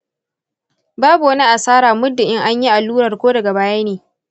babu wani asara muddin in anyi allurar ko daga baya ne